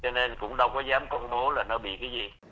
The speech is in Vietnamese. cho nên cũng đâu dám công bố là nó bị cái gì